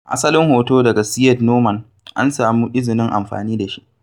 Asalin hoto daga Syed Noman. an samu izinin amfani da shi.